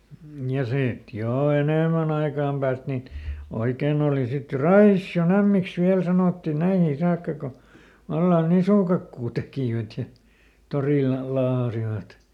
ja sitten jo enemmän ajan päästä niin oikein oli sitten jo Raision ämmiksi vielä sanottiin näihin saakka kun vallan nisukakkua tekivät ja torilla laahasivat